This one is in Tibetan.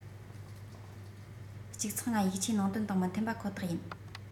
༡ ༥ ཡིག ཆའི ནང དོན དང མི མཐུན པ ཁོ ཐག ཡིན